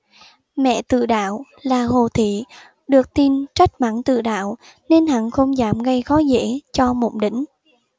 mẹ tự đạo là hồ thị được tin trách mắng tự đạo nên hắn không dám gây khó dễ cho mộng đỉnh